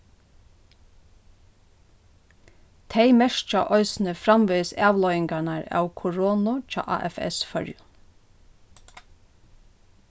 tey merkja eisini framvegis avleiðingarnar av koronu hjá afs føroyum